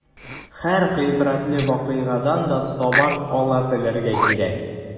Һәр гыйбрәтле вакыйгадан да сабак ала белергә кирәк.